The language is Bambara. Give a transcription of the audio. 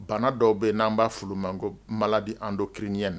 Bana dɔw bɛ yen n'an b'a olu ma ko bala di antori ɲɛ na